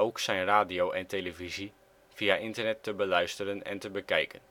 Ook zijn radio en televisie via internet te beluisteren en te bekijken